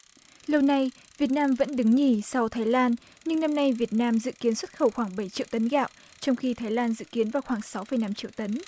lâu nay việt nam vẫn đứng nhì sau thái lan nhưng năm nay việt nam dự kiến xuất khẩu khoảng bảy triệu tấn gạo trong khi thái lan dự kiến vào khoảng sáu phẩy năm triệu tấn